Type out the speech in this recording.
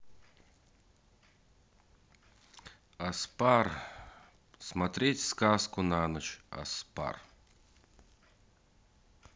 аспар смотреть сказку на ночь аспар